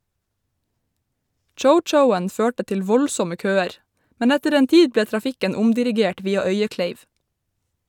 Chow-chowen førte til voldsomme køer , men etter en tid ble trafikken omdirigert via Øyekleiv.